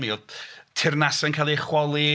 Mi oedd teyrnasau yn cael eu chwalu.